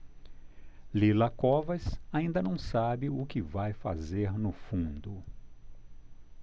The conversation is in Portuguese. lila covas ainda não sabe o que vai fazer no fundo